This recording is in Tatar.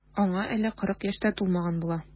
Аңа әле кырык яшь тә тулмаган була.